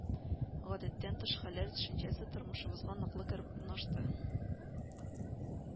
Гадәттән тыш хәлләр төшенчәсе тормышыбызга ныклы кереп урнашты